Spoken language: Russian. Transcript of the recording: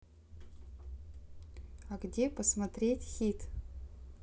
а где посмотреть хит